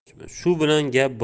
shu bilan gap